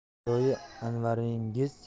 adoyi anvaringiz